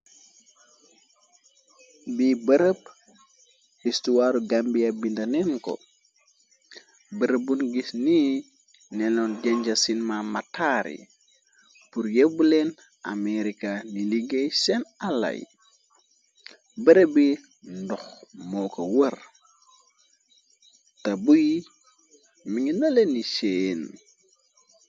bi bërëb istuwsar Gambia binda neen ko bërëbun gis ni neloon dencxa suun ma mataar yi bur yepb leen America ni liggéey seen àlla yi bërëb bi ndox moo ko woor te booi mongi nale ni seen.